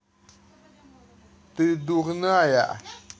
ты дурная